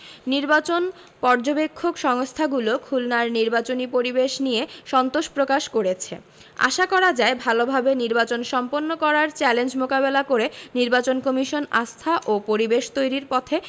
নির্বাচন পর্যবেক্ষক সংস্থাগুলো খুলনার নির্বাচনী পরিবেশ নিয়ে সন্তোষ প্রকাশ করেছে আশা করা যায় ভালোভাবে নির্বাচন সম্পন্ন করার চ্যালেঞ্জ মোকাবেলা করে নির্বাচন কমিশন আস্থা ও পরিবেশ তৈরির পথে